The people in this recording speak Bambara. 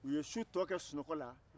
u ye su tɔ kɛ sunɔgɔ la